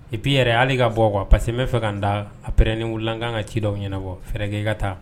E puis yɛrɛ hali i ka bɔ quoi . parce que n bɛ fɛ ka n da après ni n wili la, n ka kan ka cidɔw ɲɛnabɔ fɛrɛɛ kɛ i ka taa.